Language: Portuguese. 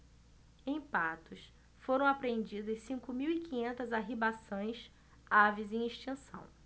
em patos foram apreendidas cinco mil e quinhentas arribaçãs aves em extinção